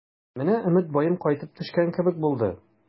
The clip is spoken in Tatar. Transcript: Менә Өметбаем кайтып төшкән кебек булды.